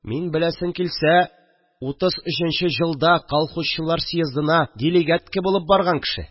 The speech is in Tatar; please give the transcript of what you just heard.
Мин, беләсең килсә, утыз өченче җылда калхузчылар съездына дилигәтке булып барган кеше